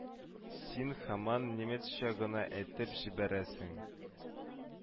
Син һаман немецча гына әйтеп җибәрәсең